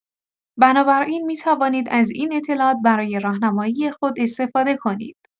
بنابراین می‌توانید از این اطلاعات برای راهنمایی خود استفاده کنید.